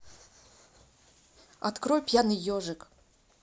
открой пьяный ежик